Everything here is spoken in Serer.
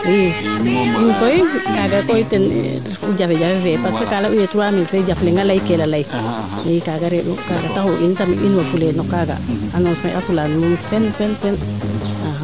mi koy kaaga koy ten saq u jafe jafe fee parce que kaa ley'u yee trois mille fee jaf leŋ a ley kele ley i kaaga ree'u kaaga tax'u in tam i inwa fule no kaaga annocer a fulaan moom sen sen